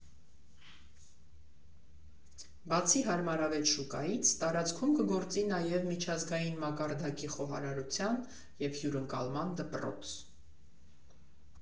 Բացի հարմարավետ շուկայից, տարածքում կգործի նաև միջազգային մակարդակի խոհարարության և հյուրընկալման դպրոց։